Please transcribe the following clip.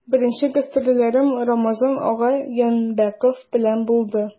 Беренче гастрольләрем Рамазан ага Янбәков белән булды.